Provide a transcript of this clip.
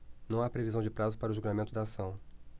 não há previsão de prazo para o julgamento da ação